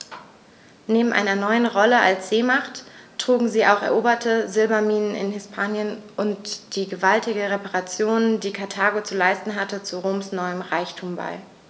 Neben seiner neuen Rolle als Seemacht trugen auch die eroberten Silberminen in Hispanien und die gewaltigen Reparationen, die Karthago zu leisten hatte, zu Roms neuem Reichtum bei.